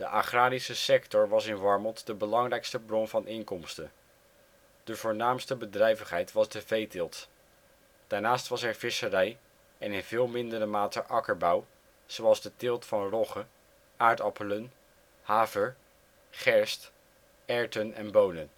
agrarische sector was in Warmond de belangrijkste bron van inkomsten. De voornaamste bedrijvigheid was de veeteelt. Daarnaast was er visserij en in veel mindere mate akkerbouw zoals de teelt van rogge, aardappelen, haver, gerst, erwten en bonen